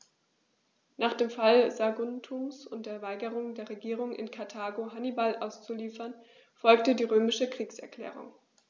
Nach dem Fall Saguntums und der Weigerung der Regierung in Karthago, Hannibal auszuliefern, folgte die römische Kriegserklärung.